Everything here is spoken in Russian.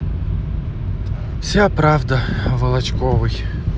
вся правда о волочковой